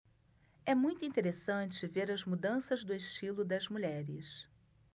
é muito interessante ver as mudanças do estilo das mulheres